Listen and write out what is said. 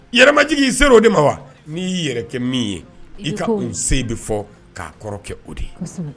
Yɛrɛmaj se o de ma wa n'i yi yɛrɛ kɛ min ye i ka n se de fɔ k'a kɔrɔkɛ kɛ o de ye